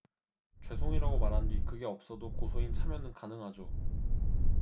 죄송 이라고 말한 뒤 그게 없어도 고소인 참여는 가능하죠